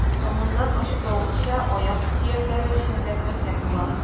Соңыннан ачыклануынча, аяк сөякләре чәрдәкләнгән була.